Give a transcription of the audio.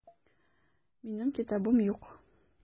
Минем китабым юк.